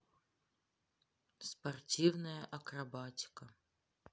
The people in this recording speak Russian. спортивная акробатика